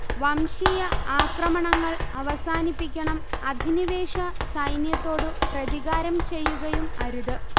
വംശീയ ആക്രമണങ്ങൾ അവസാനിപ്പിക്കണം അധിനിവേശ സൈന്യത്തോടു പ്രതികാരം ചെയ്യുകയും അരുത്